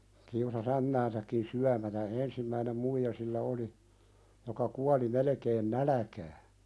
kiusasi ämmäänsäkin syömättä ensimmäinen muija sillä oli joka kuoli melkein nälkään